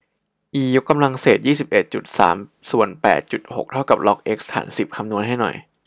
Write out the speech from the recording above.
อียกกำลังเศษยี่สิบเอ็ดจุดสามส่วนแปดจุดหกเท่ากับล็อกเอ็กซ์ฐานสิบคำนวณให้หน่อย